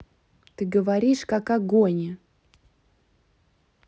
ты говоришь какогоне